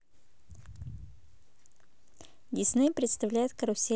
дисней представляет карусель